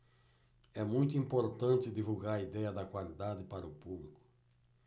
é muito importante divulgar a idéia da qualidade para o público